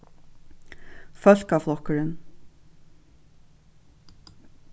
fólkaflokkurin